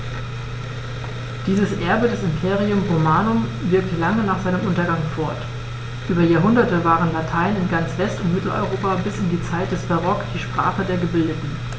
Dieses Erbe des Imperium Romanum wirkte lange nach seinem Untergang fort: Über Jahrhunderte war Latein in ganz West- und Mitteleuropa bis in die Zeit des Barock die Sprache der Gebildeten.